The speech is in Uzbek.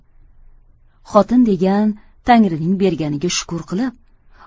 xotin degan tangrining berganiga shukr qilib